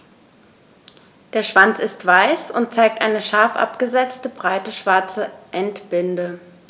Der Schwanz ist weiß und zeigt eine scharf abgesetzte, breite schwarze Endbinde.